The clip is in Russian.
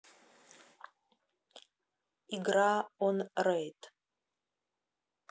игра онрейд